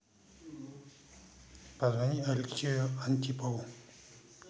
позвони алексею антипову